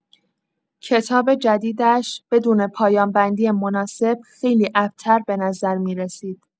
کتاب جدیدش بدون پایان‌بندی مناسب خیلی ابتر به نظر می‌رسید.